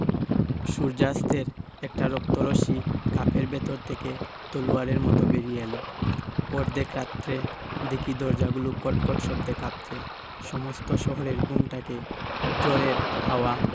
সূর্য্যাস্তের একটা রক্ত রশ্মি খাপের ভেতর থেকে তলোয়ারের মত বেরিয়ে এল অর্ধেক রাত্রে দেখি দরজাগুলো খটখট শব্দে কাঁপছে সমস্ত শহরের ঘুমটাকে ঝড়ের হাওয়া